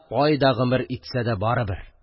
Кайда гомер итсә дә барыбер